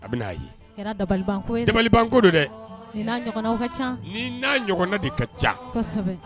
A bɛna ye. A kɛra dabali ban ko ye dɛ! Dabali ban ko don dɛ. Ni n'a ɲɔgɔnnaw ka ca. Ni n'a ɲɔgɔnna de ka ca. Kosɛbɛ!